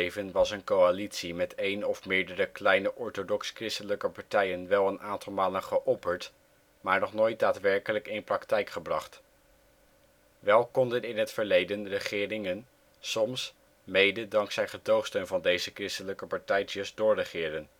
was een coalitie met één of meerdere kleine orthodox-christelijke partijen wel een aantal malen geopperd maar nog nooit daadwerkelijk in praktijk gebracht. Wel konden in het verleden regeringen soms (mede) dankzij gedoogsteun van deze christelijke partijtjes doorregeren